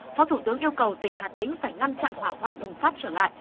phó thủ tướng yêu cầu tỉnh hà tĩnh phải ngăn chặn hỏa hoạn bùng phát trở lại